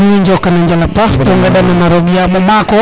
in way njokonjala paax to ngenda nana roga paax yamo mako